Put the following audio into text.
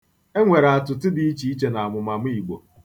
E nwere atụtụ dị ichiiche n'amụmamụ Igbo.